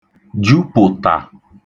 jupụ̀tà